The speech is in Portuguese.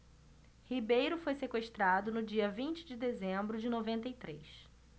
ribeiro foi sequestrado no dia vinte de dezembro de noventa e três